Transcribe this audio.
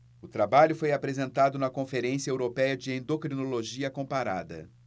o trabalho foi apresentado na conferência européia de endocrinologia comparada